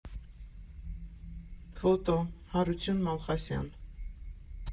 Ֆոտո՝ Հարություն Մալխասյան։